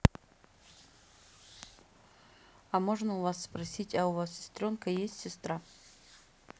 а можно у вас спросить а у вас сестренка есть сестра